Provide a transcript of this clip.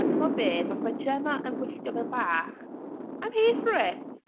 A timod beth, os mae Gemma yn gwylltio fe’n bach, I’m here for it!